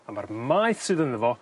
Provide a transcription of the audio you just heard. a ma'r maeth sydd ynddo fo